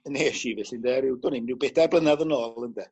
...nesh i felly ynde ryw dw' 'im ryw bedair blynadd yn ôl ynde